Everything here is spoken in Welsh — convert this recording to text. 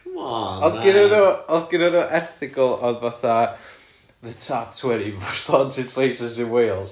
C'mon... Odd gynan nw... odd gynan nw erthygl odd fatha the top twenty most haunted places in Wales.